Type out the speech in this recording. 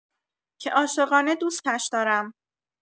که عاشقانه دوستش دارم.